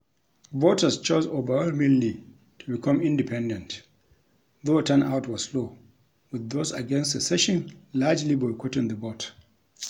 Voters chose overwhelmingly to become independent, though turnout was low with those against secession largely boycotting the vote.